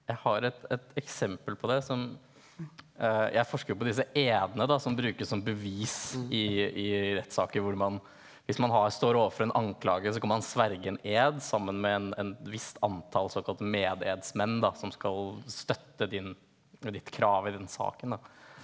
jeg har et et eksempel på det som jeg forsker på disse edene da som brukes som bevis i i rettssaker hvor man hvis man har står overfor en anklage så kan man sverge en ed sammen med en en et visst antall såkalte mededsmenn da som skal støtte din ditt krav i den saken da.